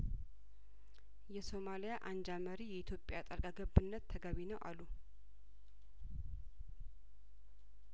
የሶማሊያ አንጃ መሪ የኢትዮጵያ ጣልቃ ገብነት ተገቢ ነው አሉ